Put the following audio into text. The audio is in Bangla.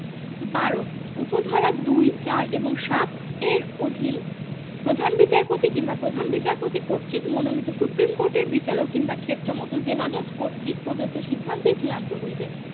১২ উপ ধারা ২ ৪ এবং ৭ এর অধীন প্রধান বিচারপতি কিংবা প্রধান বিচারপতি কর্তৃক মনোনীত সুপ্রীম কোর্টের বিচারক কিংবা ক্ষেত্রমত জেলাজজ কর্তৃক প্রদত্ত সিদ্ধান্ত চূড়ান্ত হইবে